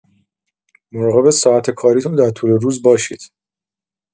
مراقب ساعت کاریتون در طول روز باشید!